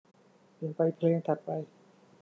เปลี่ยนไปเพลงถัดไป